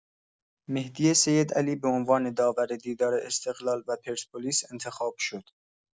مهدی سیدعلی به عنوان داور دیدار استقلال و پرسپولیس انتخاب شد.